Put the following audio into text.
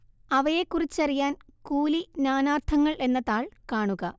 അവയെക്കുറിച്ചറിയാൻ കൂലി നാനാർത്ഥങ്ങൾ എന്ന താൾ കാണുക